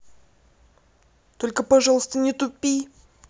только пожалуйста не тупи